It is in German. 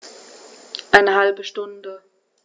Eine halbe Stunde